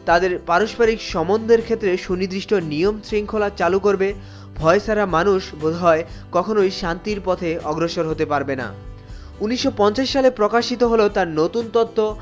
তাদের পার¯পরিক সম্বন্ধের ক্ষেত্রে তাদের সুনির্দিষ্ট নিয়ম শৃঙ্খলা চালু করবে ভয় ছাড়া মানুষ বোধহয় কখনোই শান্তির পথে অগ্রসর হতে পারবে না ১৯৫০ সালে প্রকাশিত হলো তার নতুন তত্ত্ব